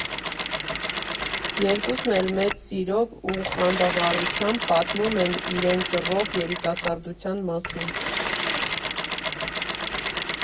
Երկուսն էլ մեծ սիրով ու խանդավառությամբ պատմում են իրենց ռոք երիտասարդության մասին։